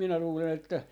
minä luulen että